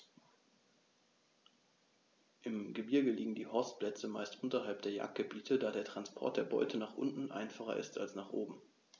Im Gebirge liegen die Horstplätze meist unterhalb der Jagdgebiete, da der Transport der Beute nach unten einfacher ist als nach oben.